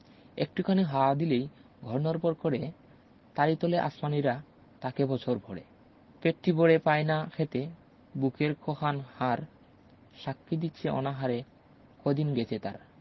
একটু খানি হাওয়া দিলেই ঘর নড়বড় করে তারি তলে আসমানীরা তাকে বছর ভরে পেটটি ভরে পায় না খেতে বুকের ক খান হাড় সাক্ষী দিছে অনাহারে কদিন গেছে তার